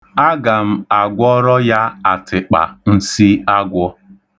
Aga m agwọrọ ya atịkpa nsị agwọ.